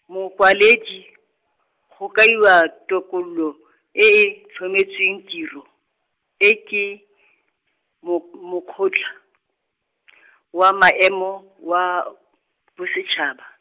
mokwaledi , go kaiwa tokololo, e e tlhometsweng tiro, e ke , mo- mokgotla , wa, maemo, wa , Bosetšhaba.